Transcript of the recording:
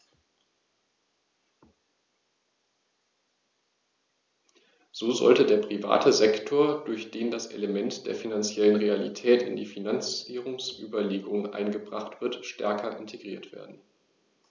So sollte der private Sektor, durch den das Element der finanziellen Realität in die Finanzierungsüberlegungen eingebracht wird, stärker integriert werden.